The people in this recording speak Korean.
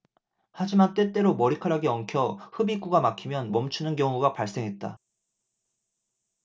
하지만 때때로 머리카락이 엉켜 흡입구가 막히면 멈추는 경우가 발생했다